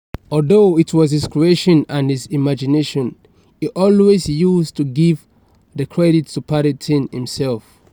Although it was his creation and his imagination, he always used to give the credit to Paddington himself."